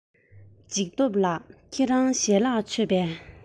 འཇིགས སྟོབས ལགས ཁྱེད རང ཞལ ལག མཆོད པས